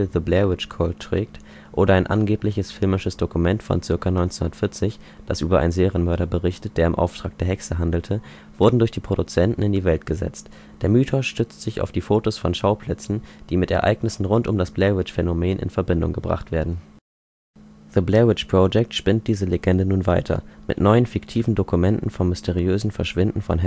The Blair Witch Cult “trägt, oder ein angeblich filmisches Dokument von ca. 1940, das über einen Serienmörder berichtet, der im Auftrag der Hexe handelte, wurden durch die Produzenten in die Welt gesetzt. Der Mythos stützt sich auch auf Fotos von Schauplätzen, die mit Ereignissen rund um das Blair-Witch-Phänomen in Verbindung gebracht werden. „ The Blair Witch Project “spinnt diese Legende nun weiter – mit neuen, fiktiven Dokumenten vom mysteriösen Verschwinden von